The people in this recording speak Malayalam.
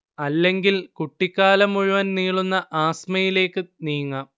അല്ലെങ്കിൽ കുട്ടിക്കാലം മുഴുവൻ നീളുന്ന ആസ്മയിലേക്ക് നീങ്ങാം